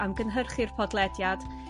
am gynhyrchu'r podlediad